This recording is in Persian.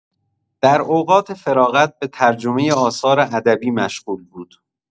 در اوقات فراغت به ترجمه آثار ادبی مشغول بود.